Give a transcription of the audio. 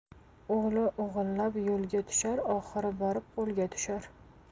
o'g'ri o'g'irlab yo'lga tushar oxiri borib qo'lga tushar